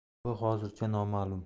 bu hozircha nomalum